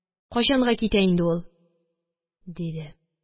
Качанга китә инде ул? – диде.